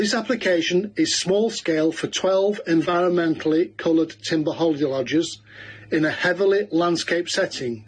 This application is small-scale for twelve environmentally coloured timber hodol lodges in a heavily landscaped setting.